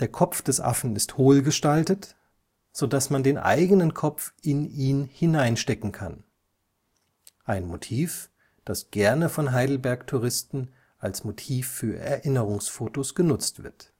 Kopf des Affen ist hohl gestaltet, so dass man den eigenen Kopf in ihn hineinstecken kann – ein Motiv das gerne von Heidelberg-Touristen als Motiv für Erinnerungsfotos genutzt wird